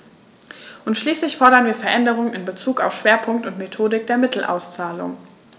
Und schließlich fordern wir Veränderungen in bezug auf Schwerpunkt und Methodik der Mittelauszahlung.